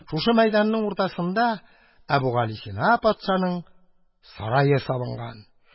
Шушы мәйданның уртасында Әбүгалисина патшаның сарае салынган.